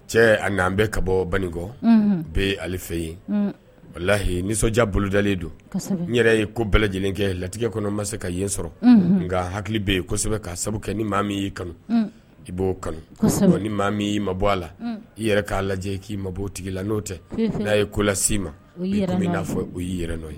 Cɛ an an bɛ ka bɔ baninkɔ bɛɛ ye ali fɛ yen wala layi nisɔndiya bolo dalenlen don n yɛrɛ ye ko bɛɛ lajɛlen kɛ latigɛ kɔnɔ ma se ka yen sɔrɔ n hakili bɛ yensɛbɛ ka sabu kɛ ni maa min y'i kanu i b'o kanu ni maa min ii ma bɔ a la i yɛrɛ k'a lajɛ i k'i ma bɔ tigi la n'o tɛ n'a ye kolasi ma i tun bɛ'a fɔ o y'i yɛrɛ n' ye